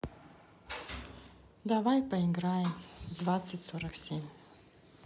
давай поиграем в двадцать сорок семь